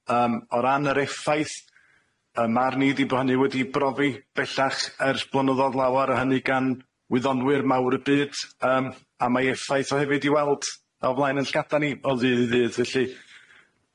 Yyym o ran yr effaith yym ma' arni di bo' hynny wedi brofi bellach ers blynyddodd lawar a hynny gan wyddonwyr mawr y byd yym a mae effaith o hefyd i weld o flaen yn llygadau ni o ddydd i ddydd felly.